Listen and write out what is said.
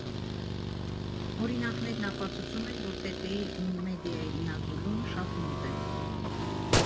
Օրինակներն ապացուցում են, որ ՏՏ֊ի ու մեդիայի միաձուլումը շատ մոտ է։